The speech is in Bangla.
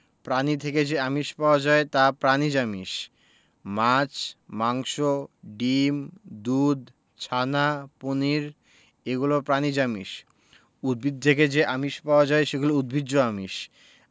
প্রাণী থেকে যে আমিষ পাওয়া যায় তা প্রাণিজ আমিষ মাছ মাংস ডিম দুধ ছানা পনির এগুলো প্রাণিজ আমিষ উদ্ভিদ থেকে যে আমিষ পাওয়া যায় সেগুলো উদ্ভিজ্জ আমিষ